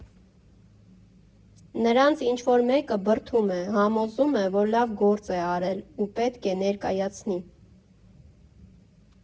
Նրանց ինչ֊որ մեկը բրդում է, համոզում է, որ լավ գործ է արել ու պետք է ներկայացնի։